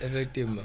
effectivement